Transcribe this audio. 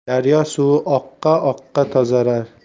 daryo suvi oqa oqa tozarar